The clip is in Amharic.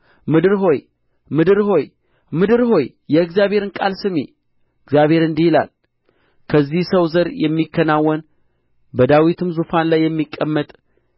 ምድር ሆይ ምድር ሆይ ምድር ሆይ የእግዚአብሔርን ቃል ስሚ እግዚአብሔር እንዲህ ይላል ከዚህ ሰው ዘር የሚከናወን በዳዊትም ዙፋን ላይ የሚቀመት